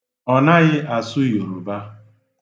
Ọ naghị asụ Yoroba.